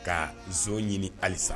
Ka nson ɲini halisa